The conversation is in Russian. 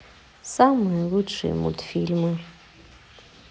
самые лучшие мультфильмы